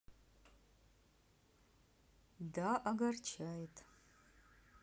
да огорчает